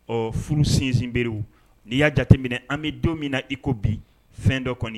Ɔ furu sinsinbriw n'i y'a jateminɛ an bɛ don min na iko bi fɛn dɔ kɔni